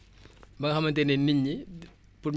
pour ñu am lu ñu roosee seen tool yi day jafe-jafe la